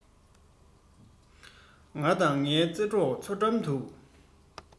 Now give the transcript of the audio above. ང དང དའི རྩེ གྲོགས འཚོ གྲམ དུ